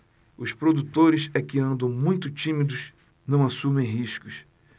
os produtores é que andam muito tímidos não assumem riscos